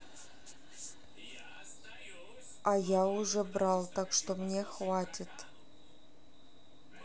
а я уже брал так что мне хватит